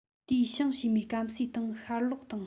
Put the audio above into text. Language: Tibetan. དེའི བྱང ཕྱེད མའི སྐམ སའི སྟེང ཤར ལོགས དང